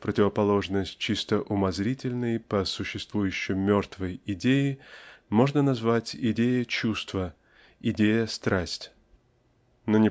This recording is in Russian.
в противоположность чисто-умозрительной по существу еще мертвой идее можно назвать идея-чувство идея-страсть. Но